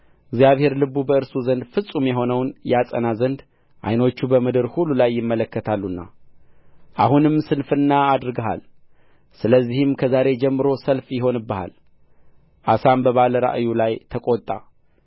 እግዚአብሔር ልቡ በእርሱ ዘንድ ፍጹም የሆነውን ያጸና ዘንድ ዓይኖቹ በምድር ሁሉ ይመለከታሉና አሁንም ስንፍና አድርገሃል ስለዚህም ከዛሬ ጀምሮ ሰልፍ ይሆንብሃል አሳም በባለ ራእዩ ላይ ተቈጣ